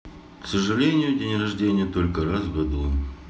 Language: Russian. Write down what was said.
к сожалению день рождения только раз в году